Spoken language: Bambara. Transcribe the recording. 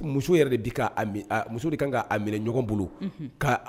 Muso muso kan kaa minɛ ɲɔgɔn bolo